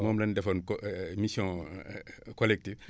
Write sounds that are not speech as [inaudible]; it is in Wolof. moom lan defoon co [hesitation] mission [hesitation] collectif